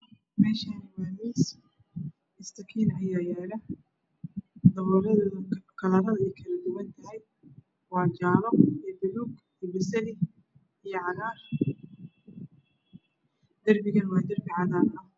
Meshsni waa mis istakin aya yalo kalark eey kala dugan tahay waa jale io baluug io baseli io cagar darbiga waa derbi cagar ah